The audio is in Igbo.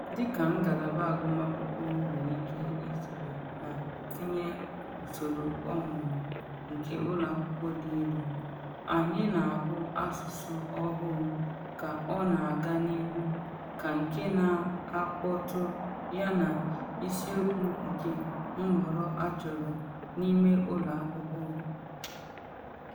Dị ka ngalaba agụmakwụkwọ nwere ike izube ma tinye usoro ọmụmụ nke ụlọ akwụkwọ dị elu, anyị na ahụ asụsụ ọhụụ ka ọ na aga n’ihu ka nke na akpọtụ yana isiokwu nke nhọrọ achọrọ n’ime ụlọ akwụkwọ.